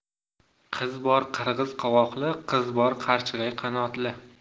qiz bor qirg'iz qovoqli qiz bor qarchig'ay qanotli